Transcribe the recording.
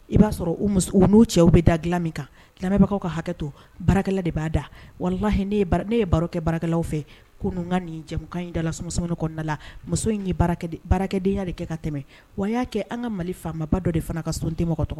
I b'a sɔrɔ u n'o cɛw bɛ da dilan min kan dilanmɛbagawkaw ka hakɛ to bara de b'a da wala ne ye baro kɛ barakɛlaw fɛ kokan nin jɛmukan in da laum kɔnɔnala muso in ye baarakɛdenyaya de kɛ ka tɛmɛ waa y'a kɛ an ka mali faamaba dɔ de fana ka sɔn tɛ mɔgɔ